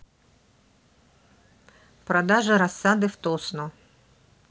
продажа рассады в тосно